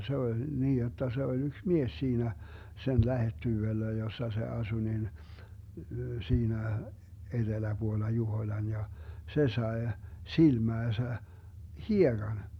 se oli niin jotta se oli yksi mies siinä sen lähettyvillä jossa se asui niin siinä eteläpuolella Juhoilan ja se sai silmäänsä hiekan